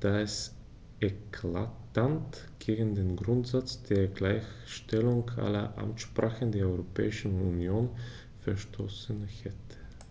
da es eklatant gegen den Grundsatz der Gleichstellung aller Amtssprachen der Europäischen Union verstoßen hätte.